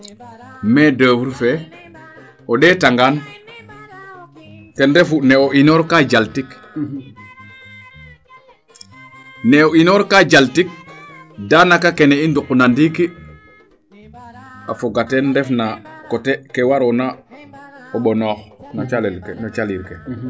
main d' oeuvre fee o ndeeta ngaan ten refu nee o inoorka jaltik ne inoor ka jaltik daanaka kene i nduq na ndiiki a foga teen refna coté ke waroona o ɓonoox no calelir ke